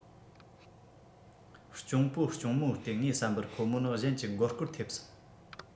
གཅུང པོ གཅུང མོ སྟེ ངའི བསམ པར ཁོ མོ ནི གཞན གྱི མགོ སྐོར ཐེབས སོང